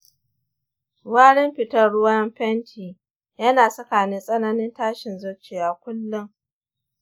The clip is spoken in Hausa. warin fitar ruwan fenti yana saka ni tsananin tashin zuciya kullum.